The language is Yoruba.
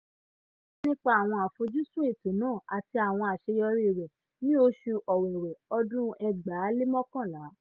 Ó sọ fún wa nípa àwọn àfojúsùn ètò náà àti àwọn àṣeyọrí rẹ̀ ní oṣù Ọ̀wẹ̀wẹ̀ ọdún 2011.